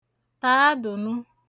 tàadụ̀nụ